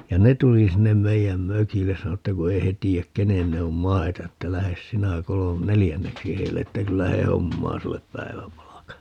ja ne tuli sinne meidän mökille sanoi että kun ei he tiedä kenen ne on maita että lähde sinä - neljänneksi heille että kyllä he hommaa sinulle päiväpalkan